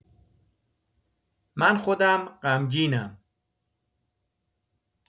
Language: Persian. من خودم غمگینم.